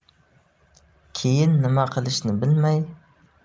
keyin nima qilishni bilmay